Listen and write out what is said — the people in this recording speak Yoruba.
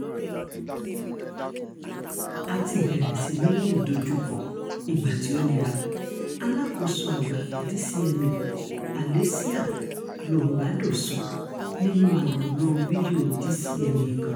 "A [ti bẹ̀rẹ̀] sí í ní rí ìdojúkọ ìgbà tí ó nira", alákòóso àgbàa DCMA, Alessia Lombardo sọ, nínúu àwòrán fídíò DCMA kan.